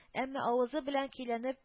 Әмма авызы белән көйләнеп